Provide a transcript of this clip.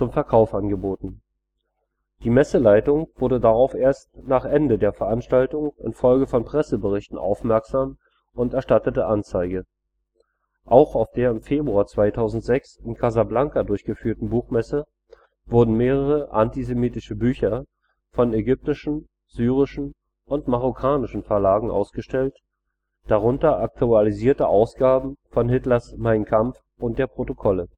Verkauf angeboten. Die Messeleitung wurde darauf erst nach Ende der Veranstaltung infolge von Presseberichten aufmerksam und erstattete Anzeige. Auch auf der im Februar 2006 in Casablanca durchgeführten Buchmesse wurden mehrere antisemitische Bücher von ägyptischen, syrischen und marokkanischen Verlagen ausgestellt, darunter aktualisierte Ausgaben von Hitlers Mein Kampf und der Protokolle